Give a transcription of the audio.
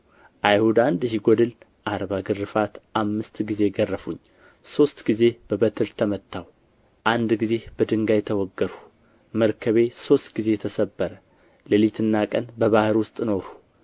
አይሁድ አንድ ሲጎድል አርባ ግርፋት አምስት ጊዜ ገረፉኝ ሦስት ጊዜ በበትር ተመታሁ አንድ ጊዜ በድንጋይ ተወገርሁ መርከቤ ሦስት ጊዜ ተሰበረ ሌሊትና ቀን በባሕር ውስጥ ኖርሁ